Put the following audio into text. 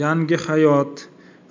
yangi hayot